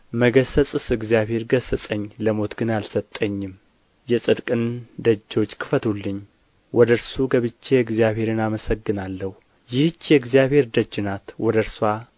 መገሠጽስ እግዚአብሔር ገሠጸኝ ለሞት ግን አልሰጠኝም የጽድቅን ደጆች ክፈቱልኝ ወደ እነርሱ ገብቼ እግዚአብሔርን አመሰግናለሁ ይህች የእግዚአብሔር ደጅ ናት ወደ እርስዋ